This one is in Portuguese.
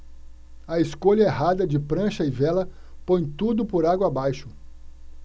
a escolha errada de prancha e vela põe tudo por água abaixo